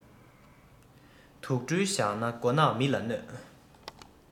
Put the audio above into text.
དུག སྦྲུལ བཞག ན མགོ ནག མི ལ གནོད